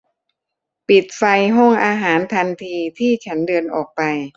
ปิดไฟห้องอาหารทันทีที่ฉันเดินออกไป